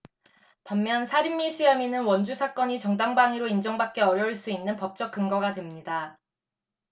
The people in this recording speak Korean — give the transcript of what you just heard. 반면 살인미수 혐의는 원주 사건이 정당방위로 인정받기 어려울 수 있는 법적 근거가 됩니다